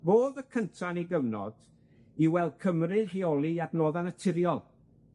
Fo odd y cynta yn 'i gyfnod i weld Cymru'n rheoli adnodda' naturiol.